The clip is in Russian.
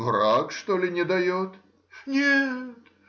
враг, что ли, не дает? — Не-ет!